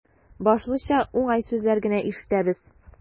Башлыча, уңай сүзләр генә ишетәбез.